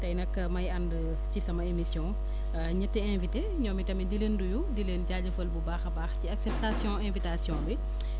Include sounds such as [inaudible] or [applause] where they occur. tey nag may ànd ci sama émission ñetti invités ñoom itamit di leen nuyu di leen jaajëfal bu baax a baax ci acceptation invitation bi [smacks lips]